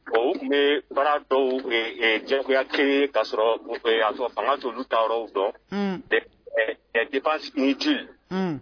Bon u tun bɛ baara dɔw diyagoya créer ɛ ɛ ka sɔrɔ fanga t'o ta yɔrɔ dɔn, un des dépenses inutiles